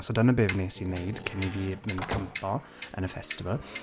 So dyna be nes i wneud cyn i fi mynd campo yn y festival.